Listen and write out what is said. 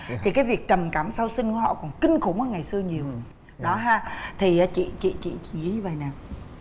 thì cái việc trầm cảm sau sinh họ cũng kinh khủng hơn ngày xưa nhiều đó ha thì chị chị chỉ như vầy nè